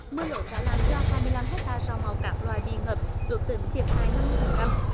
mưa lớn đã làm cho hai mươi lăm héc ta rau màu các loại bị ngập ước tính thiệt hại năm mươi phần trăm